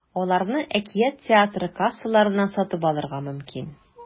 Аларны “Әкият” театры кассаларыннан сатып алырга мөмкин.